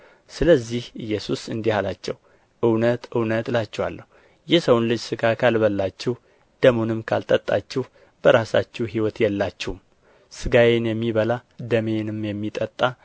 ስለዚህ ኢየሱስ እንዲህ አላቸው እውነት እውነት እላችኋለሁ የሰውን ልጅ ሥጋ ካልበላችሁ ደሙንም ካልጠጣችሁ በራሳችሁ ሕይወት የላችሁም ሥጋዬን የሚበላ ደሜንም የሚጠጣ